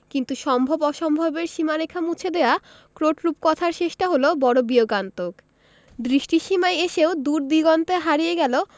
কিন্তু সম্ভব অসম্ভবের সীমারেখা মুছে দেয়া ক্রোট রূপকথার শেষটা হল বড় বিয়োগান্তক দৃষ্টিসীমায় এসেও দূরদিগন্তে হারিয়ে গেল